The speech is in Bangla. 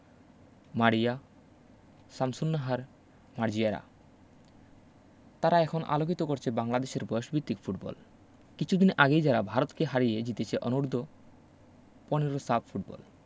মারিয়া শামসুন্নাহার মার্জিয়ারা তারা এখন আলোকিত করছে বাংলাদেশের বয়সভিত্তিক ফুটবল কিছুদিন আগেই যারা ভারতকে হারিয়ে জিতেছে অনূর্ধ্ব১৫ সাফ ফুটবল